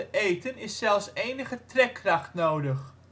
eten is zelfs enige trekkracht nodig